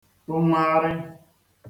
kpụngharị̄